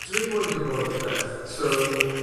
Dwi moyn gwbod rwbeth, so